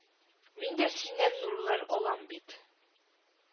Мин дә синнән нурлар алам бит